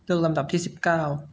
เลือกลำดับที่สิบเก้า